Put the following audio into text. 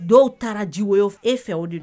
Dɔw taara jiwo e fɛ o de